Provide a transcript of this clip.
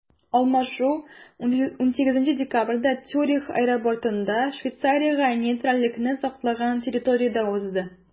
Алмашу 18 декабрьдә Цюрих аэропортында, Швейцариягә нейтральлекне саклаган территориядә узды.